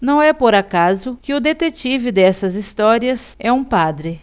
não é por acaso que o detetive dessas histórias é um padre